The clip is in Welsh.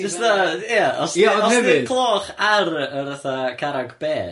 Jyst fatha ia os ... Ia ond hefyd... ...os 'di'r cloch ar yr fatha carreg bedd...